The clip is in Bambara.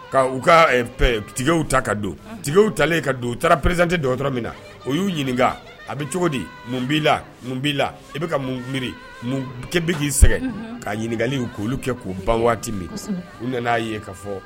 Ka u ka tickets ta ka don tickets talen ka don u taara présenté dɔgɔtɔrɔ min na o y'u ɲininka a bɛ cogo di mun b'i la mun b'i la i bɛ ka mun miiri mun ki bɛ k'i sɛgɛn ka ɲininkaliw k'olu kɛ k'u ban waati min u nan'a ye k'a fɔ